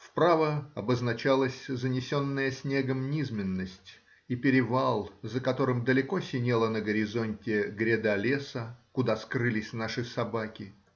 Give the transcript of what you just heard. вправо обозначалась занесенная снегом низменность и перевал, за которым далеко синела на горизонте гряда леса, куда скрылись наши собаки.